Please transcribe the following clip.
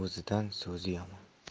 o'zidan so'zi yomon